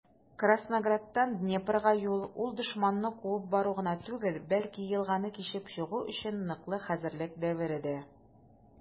Краснограддан Днепрга юл - ул дошманны куып бару гына түгел, бәлки елганы кичеп чыгу өчен ныклы хәзерлек дәвере дә.